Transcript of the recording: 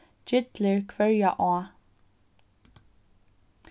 gyllir hvørja á